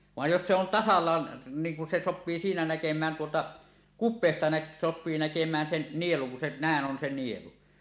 vaan jos se on tasallaan niin kun se sopii siinä näkemään tuota kupeesta - sopii näkemään sen nielun kun se näin on se nielu